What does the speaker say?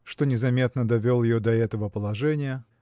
что незаметно довел ее до этого положения